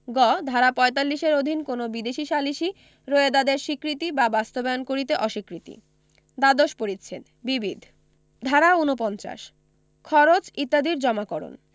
গ ধারা ৪৫ এর অধীন কোন বিদেশী সালিসী রোয়েদাদ এর স্বীকৃতি বা বাস্তবায়ন করিতে অস্বীকৃতি দ্বাদশ পরিচ্ছেদ বিবিধ ধারা ৪৯ খরচ ইত্যাদির জমাকরণ